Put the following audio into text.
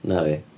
Na fi.